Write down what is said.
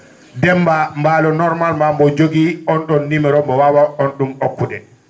Demba Baalo normalement mbo jogui on ?on numéro mbo waawaa on ?um okkude